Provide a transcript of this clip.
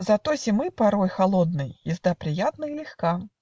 Зато зимы порой холодной Езда приятна и легка.